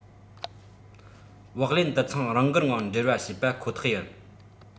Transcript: བོགས ལེན དུད ཚང རང འགུལ ངང འབྲེལ བ བྱེད པ ཁོ ཐག ཡིན